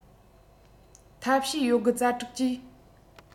ཐབས ཤེས ཡོད རྒུ རྩལ སྤྲུགས ཀྱིས